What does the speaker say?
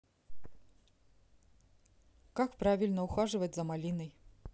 как правильно ухаживать за малиной